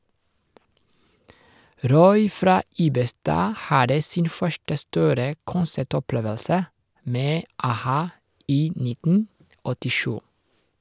Roy fra Ibestad hadde sin første store konsertopplevelse med a-ha i 19 87.